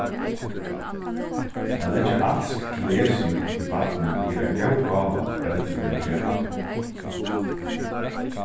at leggja alsk til lesing í barnið er ein góð gáva foreldur kunnu geva